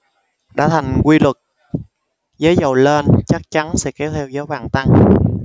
đã thành quy luật giá dầu lên chắc chắn sẽ kéo theo giá vàng tăng